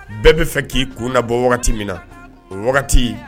Bɛɛ bɛ fɛ k'i kun labɔ wagati min na; o wagati